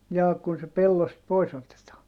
jaa kun se pellosta pois otetaan